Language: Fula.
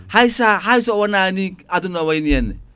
hay sa hay so wona ni aduna o wayni henna